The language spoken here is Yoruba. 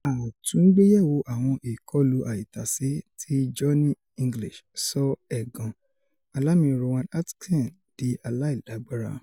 Àtúngbéyẹ̀wò Àwọn Ìkọlu Àìtàṣé ti Johnny English - sọ ẹ̀gàn alamí Rowan Atkinson di aláìlágbára